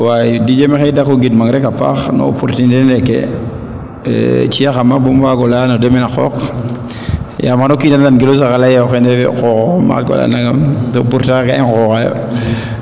waay Didier maxey dako gid mang a paax no opportuniter neeke ci'a xama bom waago leya no domaine a qooq yaam xano kiina nan gilu sax a leyee o xene o qoqxoox o maako wala nangam te pourtant ka i ngooxa yo